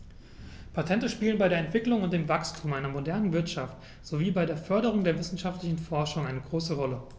Patente spielen bei der Entwicklung und dem Wachstum einer modernen Wirtschaft sowie bei der Förderung der wissenschaftlichen Forschung eine große Rolle.